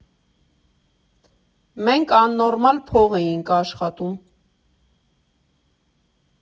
Մենք աննորմալ փող էինք աշխատում։